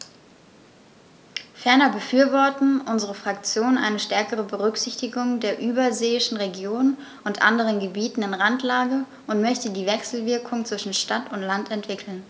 Ferner befürwortet unsere Fraktion eine stärkere Berücksichtigung der überseeischen Regionen und anderen Gebieten in Randlage und möchte die Wechselwirkungen zwischen Stadt und Land entwickeln.